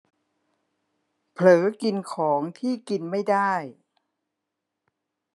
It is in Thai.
เผลอกินของที่กินไม่ได้